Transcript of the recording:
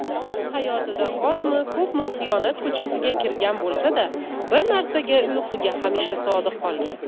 omil hayotida ozmi ko'pmi xiyonat ko'chasiga kirgan bo'lsa da bir narsaga uyquga hamisha sodiq qolgan